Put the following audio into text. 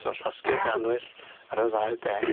So llosgi'r ganwyll ar y ddau ben.